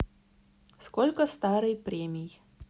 сколько старый премий